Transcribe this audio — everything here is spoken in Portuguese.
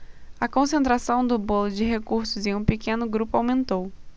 a concentração do bolo de recursos em um pequeno grupo aumentou